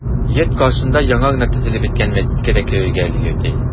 Йорт каршында яңа гына төзелеп беткән мәчеткә дә керергә өлгерде.